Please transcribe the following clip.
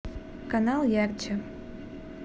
канал ярче